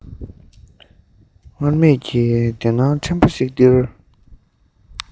སྔར མེད ཀྱི བདེ སྣང ཕྲན བུ ཞིག སྟེར